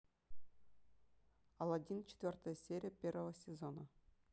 алладин четвертая серия первого сезона